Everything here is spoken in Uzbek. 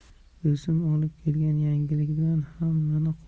o'zim olib kelgan yangilik